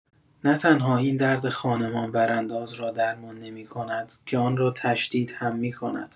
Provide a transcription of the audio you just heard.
نه‌تنها این درد خانمان‌برانداز را درمان نمی‌کند، که آن را تشدید هم می‌کند.